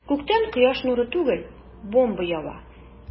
Күктән кояш нуры түгел, бомба ява.